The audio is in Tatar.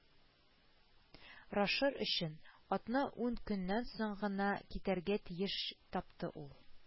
Рашыр өчен, атна-ун көннән соң гына китәргә тиеш тапты ул